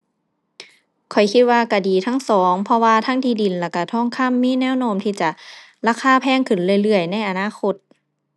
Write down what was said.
ข้อยคิดว่าก็ดีทั้งสอง เพราะว่าทั้งที่ดินแล้วก็ทองคำมีแนวโน้มที่จะราคาแพงขึ้นเรื่อยเรื่อยในอนาคต